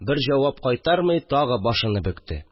Ишан бер җавап кайтармый тагы башыны бөкте